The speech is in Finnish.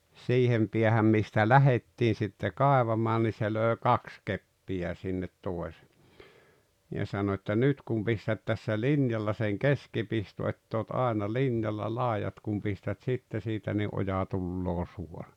siihen päähän mistä lähdettiin sitten kaivamaan niin se löi kaksi keppiä sinne - ja sanoi että nyt kun pistät tässä linjalla sen keskipiston että olet aina linjalla laidat kun pistät sitten siitä niin oja tulee suora